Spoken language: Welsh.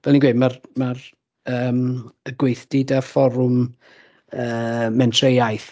fel ni'n gweud ma'r ma'r yy y gweithdy 'da fforwm ymm Mentrau iaith